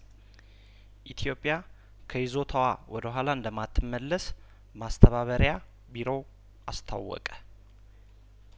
ኢትዮጵያ ከይዞታዋ ወደ ኋላ እንደማትመለስ ማስተባበሪያ ቢሮው አስታወቀ